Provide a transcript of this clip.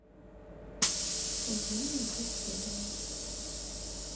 падение двухсотого